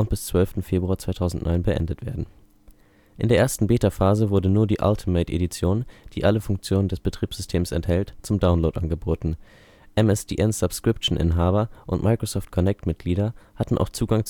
12. Februar 2009 beendet werden. In der ersten Beta-Phase wurde nur die Ultimate-Edition, die alle Funktionen des Betriebssystem enthält, zum Download angeboten. MSDN-Subscription-Inhaber und Microsoft-Connect-Mitglieder hatten auch Zugang